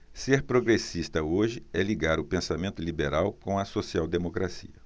ser progressista hoje é ligar o pensamento liberal com a social democracia